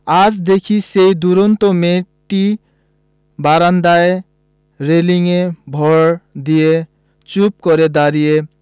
আজ দেখি সেই দূরন্ত মেয়েটি বারান্দায় রেলিঙে ভর দিয়ে চুপ করে দাঁড়িয়ে